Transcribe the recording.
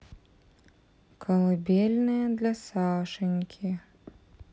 колыбельная для сашеньки